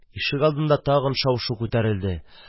Ишегалдында тагын шау-шу күтәрелде.